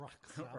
Wrecsam.